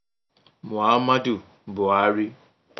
Muhammadu Buhari